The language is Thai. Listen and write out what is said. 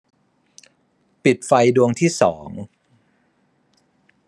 ปิดไฟดวงที่สอง